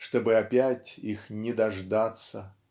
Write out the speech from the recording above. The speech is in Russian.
чтобы опять их не дождаться.